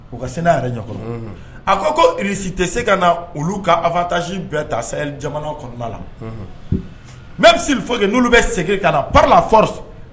U ka sen' yɛrɛ ɲɔgɔn kɔnɔ a ko ko si tɛ se ka na olu ka afatasi bɛɛ taa seri jamana kɔnɔna la mɛ bɛ se fɔ yen n'olu bɛ segin ka na pa